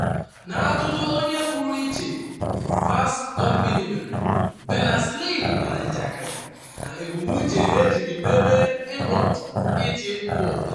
N’ajụjụ ọnụ pụrụ iche Fast Company mere, Berners-Lee mara njakịrị na ebumnuche ejiri mebe Inrupt bụ “ịchị mba ụwa.”